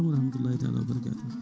wa rahamatullahi taalahi wa barkatu hu